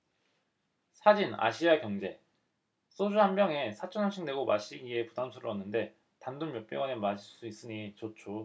사진 아시아경제 소주 한 병에 사천 원씩 내고 마시기에 부담스러웠는데 단 돈 몇백 원에 마실 수 있으니 좋죠